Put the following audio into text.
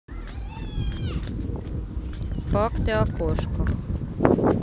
факты о кошках